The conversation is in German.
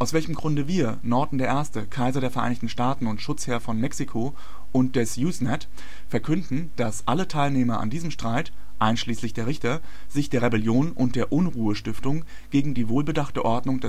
aus welchem Grunde wir, Norton I., Kaiser der Vereinigten Staaten und Schutzherr von Mexiko und des USENet, verkünden, dass alle Teilnehmer an diesem Streit (einschließlich der Richter) sich der Rebellion und der Unruhestiftung gegen die wohlbedachte Ordnung